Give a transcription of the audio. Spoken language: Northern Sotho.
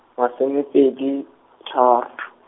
masomepedi, thar- .